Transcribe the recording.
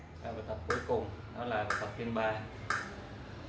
và bài tập cuối cùng là bài tập rung liên ba